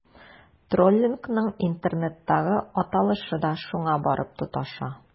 Троллингның интернеттагы аталышы да шуңа барып тоташа.